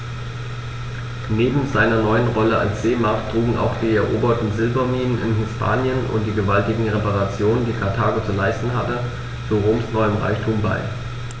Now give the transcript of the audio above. Neben seiner neuen Rolle als Seemacht trugen auch die eroberten Silberminen in Hispanien und die gewaltigen Reparationen, die Karthago zu leisten hatte, zu Roms neuem Reichtum bei.